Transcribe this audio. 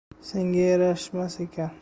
senga yarashmas ekan